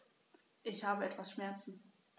Ich habe etwas Schmerzen.